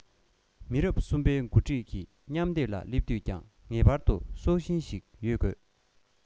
མི རབས གསུམ པའི འགོ ཁྲིད ཀྱི མཉམ བསྡེབ ལ སླེབས དུས ཀྱང ངེས པར དུ སྲོག ཤིང ཞིག ཡོད དགོས